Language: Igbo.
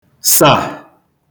sà